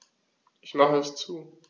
Ich mache es zu.